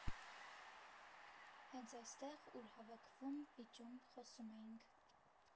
Հենց այստեղ, ուր հավաքվում, վիճում, խոսում էինք։